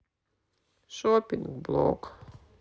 шопинг блог